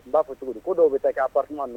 N b'a fɔ cogo ko dɔw bɛ taa kɛ'a